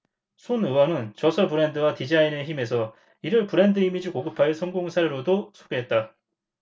손 의원은 저서 브랜드와 디자인의 힘 에서 이를 브랜드 이미지 고급화의 성공 사례로도 소개했다